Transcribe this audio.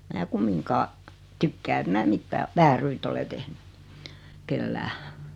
minä kumminkaan tykkää että minä mitään vääryyttä ole tehnyt kenellekään